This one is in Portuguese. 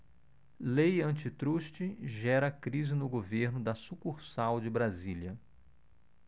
lei antitruste gera crise no governo da sucursal de brasília